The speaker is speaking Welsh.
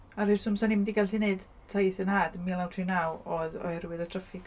A rheswm 'sa ni'm 'di gallu wneud taith 'nhad yn 1939 oedd oherwydd y traffig.